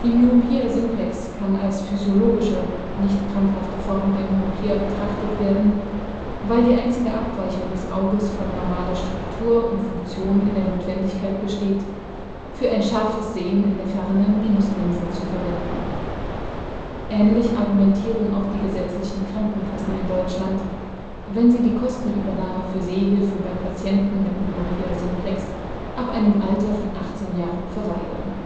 Myopia simplex kann als physiologische (nicht krankhafte) Form der Myopie betrachtet werden, weil die einzige Abweichung des Auges von normaler Struktur und Funktion in der Notwendigkeit besteht, für ein scharfes Sehen in der Ferne Minuslinsen zu verwenden. Ähnlich argumentieren auch die gesetzlichen Krankenkassen in Deutschland, wenn sie die Kostenübernahme für Sehhilfen bei Patienten mit Myopia simplex ab einem Alter von 18 Jahren verweigern